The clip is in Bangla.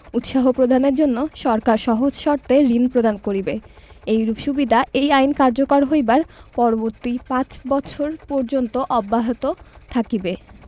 উৎসাহ প্রদানের জন্য সরকার সহজ শর্তে ঋণ প্রদান করিবে এইরূপ সুবিধা এই আইন কার্যকর হইবার পরবর্তী পাঁচ ৫ বৎসর পর্যন্ত অব্যাহত থাকিবে